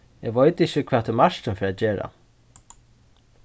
eg veit ikki hvat ið martin fer at gera